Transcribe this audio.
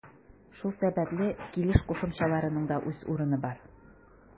Шул сәбәпле килеш кушымчаларының да үз урыны бар.